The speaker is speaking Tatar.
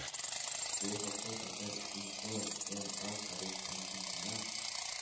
Бу хакта “Татар-информ” эм а корреспондентына